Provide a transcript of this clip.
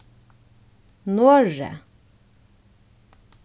noreg